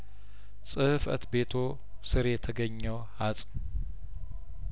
ጽህፈት ቤትዎ ስር የተገኘው አጽም